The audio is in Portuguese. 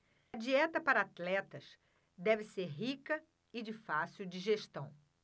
dieta para atletas deve ser rica e de fácil digestão